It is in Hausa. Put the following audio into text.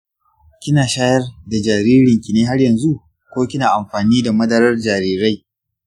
kina shayar da jaririnki ne har yanzu ko kina amfani da madarar jarirai?